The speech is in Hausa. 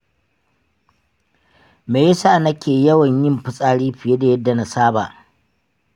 me yasa nake yawan yin fitsari fiye da yadda na saba?